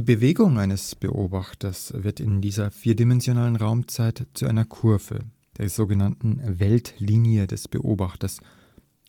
Bewegung eines Beobachters wird in dieser vierdimensionalen Raumzeit zu einer Kurve (der sog. Weltlinie des Beobachters)